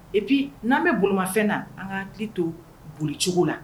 Epi n'an bɛ bolomafɛn na an ka hakili to bolicogo la